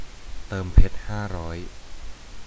เติมเพชรห้าร้อย